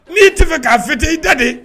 N'i tɛ fɛ k'a fêter i daden